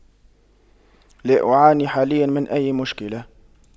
لا أعاني حاليا من أي مشكلة